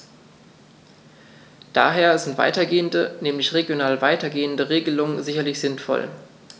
Daher sind weitergehende, nämlich regional weitergehende Regelungen sicherlich sinnvoll.